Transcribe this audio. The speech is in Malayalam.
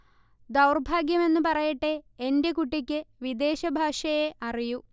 ദൗർഭാഗ്യമെന്നു പറയട്ടെ, 'എന്റെ കുട്ടിക്ക് വിദേശഭാഷയേ അറിയൂ'